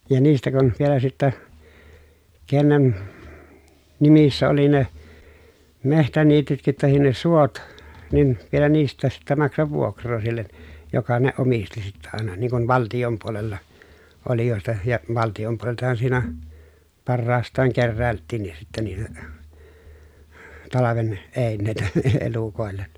ja niistä kun vielä sitten kenen nimissä oli ne metsäniitytkin tai ne suot niin vielä niistäkin sitten maksaa vuokraa sille joka ne omisti sitten aina niin kuin valtion puolella olijoista ja valtion puoleltahan siinä parhaastaan keräiltiinkin sitten niitä talven eineitä - elukoille